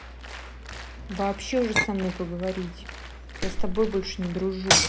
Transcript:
вообще уже со мной поговорить я с тобой больше не дружу